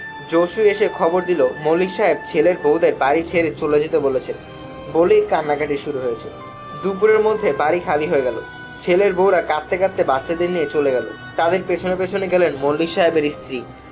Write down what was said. জসু এসে খবর দিল মল্লিক সাহেব ছেলের বউদের বাড়ি ছেড়ে চলে যেতে বলেছেন বলেই কান্নাকাটি শুরু হয়েছে দুপুরের মধ্যে বাড়ি খালি হয়ে গেল ছেলের বউরা কাঁদতে কাঁদতে বাচ্চাদের নিয়ে চলে গেল তাদের পেছনে পেছনে গেলেন মল্লিক সাহেবের স্ত্রী